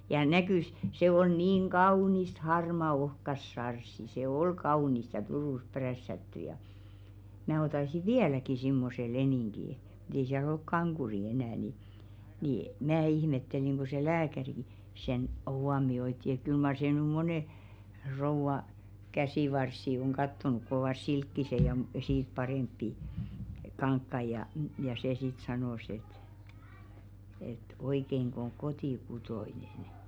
ja näkyi se oli niin kaunista harmaata ohkaista sarssia se oli kaunista ja Turussa prässätty ja minä ottaisin vieläkin semmoisen leningin mutta ei siellä ole kankuria enää niin niin minä ihmettelin kun se lääkäri sen huomioi että kyllä mar se nyt monen rouvan käsivarsia on katsonut kun ovat silkkiset ja - siitä parempia kankaita ja ja se sitten sanoi että että oikeinko on kotikutoinen